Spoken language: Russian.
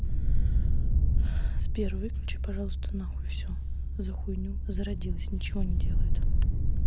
сбер выключи пожалуйста нахуй все за хуйню зародилась ничего не делает